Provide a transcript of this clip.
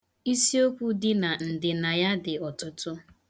Isiokwu dị n' ndịna ya dị ọtụtụ.